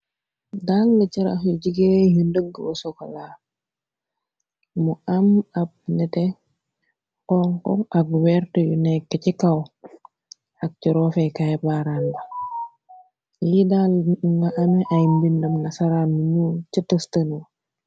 dalga carax yu jigee yu ndëgg ba sokola mu am ab nete xonk ak wert yu nekk ci kaw ak corofekaay baaraan ba li dal nga ame ay mbindam na sara mi mu cë tëstënwa.